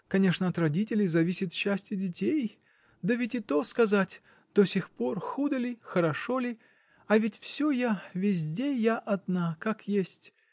конечно, от родителей зависит счастие детей, да ведь и то сказать: до сих пор худо ли, хорошо ли, а ведь все я, везде я одна, как есть